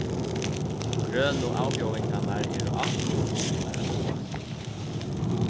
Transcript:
grønu avbjóðingarnar eru alt ov truplar at fáast við